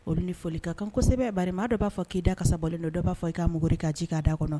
Olu ni folili ka kan kosɛbɛ bari maa dɔ b'a fɔ k'i da kasa bɔlen don dɔ b'a fɔ i kaa muguɔri k kaa ji k ka daa kɔnɔ